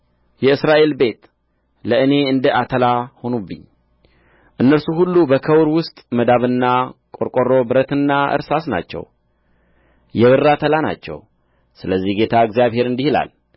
የእስራኤል ቤት ለእኔ እንደ አተላ ሆኑብኝ እነርሱ ሁሉ በከውር ውስጥ መዳብና ቈርቈሮ ብረትና እርሳስ ናቸው የብር አተላ ናቸው ስለዚህ ጌታ እግዚአብሔር እንዲህ ይላል